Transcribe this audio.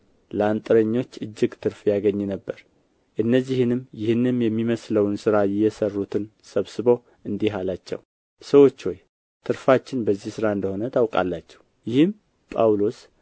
ለአንጥረኞች እጅግ ትርፍ ያገኝ ነበርና እነዚህንም ይህንም የሚመስለውን ሥራ የሠሩትን ሰብስቦ እንዲህ አላቸው ሰዎች ሆይ ትርፋችን በዚህ ሥራ እንደ ሆነ ታውቃላችሁ ይህም ጳውሎስ